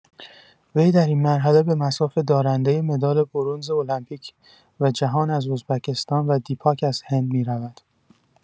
وی در این مرحله به مصاف دارنده مدال برنز المپیک و جهان از ازبکستان و دیپاک از هند می‌رود.